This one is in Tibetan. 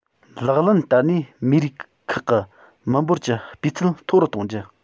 ལག ལེན བསྟར ནས མི རིགས ཁག གི མི འབོར གྱི སྤུས ཚད མཐོ རུ གཏོང རྒྱུ